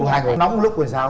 hai người nóng một lúc thì sao